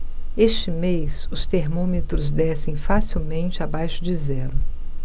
este mês os termômetros descem facilmente abaixo de zero